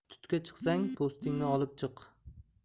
tutga chiqsang po'stiningni olib chiq